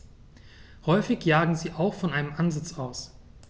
Häufig jagen sie auch von einem Ansitz aus.